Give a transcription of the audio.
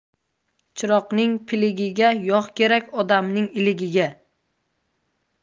chiroqning piligiga yog' kerak odamning iligiga